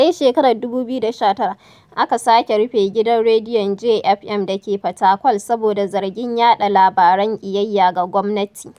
A dai shekarar 2019 aka sake rufe Gidan Rediyon Jay FM da ke Fatakwal saboda zargin yaɗa labaran ƙiyayya ga gwamnati.